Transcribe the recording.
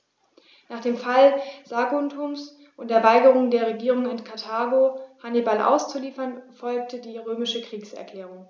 Nach dem Fall Saguntums und der Weigerung der Regierung in Karthago, Hannibal auszuliefern, folgte die römische Kriegserklärung.